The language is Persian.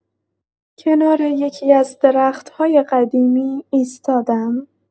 کنار یکی‌از درخت‌های قدیمی ایستادم؛